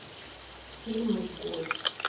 фильм изгой